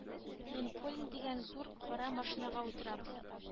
Линкольн дигән зур кара машинага утырабыз